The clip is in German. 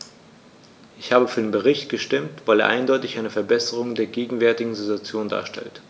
Ich habe für den Bericht gestimmt, weil er eindeutig eine Verbesserung der gegenwärtigen Situation darstellt.